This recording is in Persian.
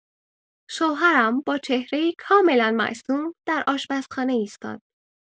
شوهرم با چهره‌ای کاملا معصوم در آشپزخانه ایستاد.